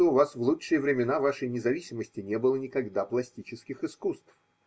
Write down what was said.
что у вас в лучшие времена вашей независимости не было никогда пластических искусств.